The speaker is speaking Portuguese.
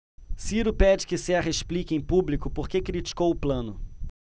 ciro pede que serra explique em público por que criticou plano